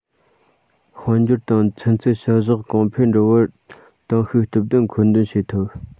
དཔལ འབྱོར དང ཚན རྩལ བྱ གཞག གོང འཕེལ འགྲོ བར གཏིང ཤུགས སྟོབས ལྡན མཁོ འདོན བྱེད ཐུབ